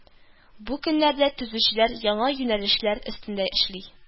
Бу көннәрдә төзүчеләр яңа юнәлешләр өстендә эшли